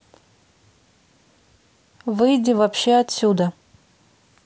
выйди вообще отсюда